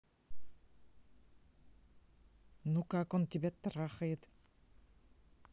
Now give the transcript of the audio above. ну как он тебя трахает